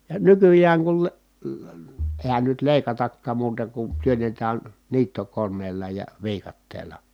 ja nykyään kun -- eihän nyt leikatakaan muuta kuin työnnetään niittokoneella ja viikatteella